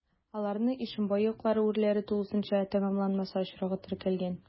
Аларны Ишембай яклары урләре тулысынча тәмамланмаса очрагы теркәлгән.